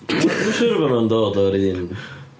Mae'n siŵr fod nhw'n dod o'r un...